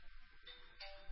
Һаулау